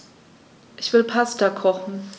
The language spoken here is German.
Ich will Pasta kochen.